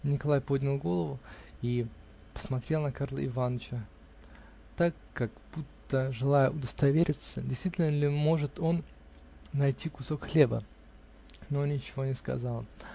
Николай поднял голову и посмотрел на Карла Иваныча так, как будто желая удостовериться, действительно ли может он найти кусок хлеба, -- но ничего не сказал.